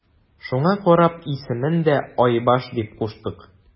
Шуңа карап исемен дә Айбаш дип куштык.